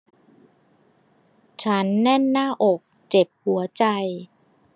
ฉันแน่นหน้าอกเจ็บหัวใจ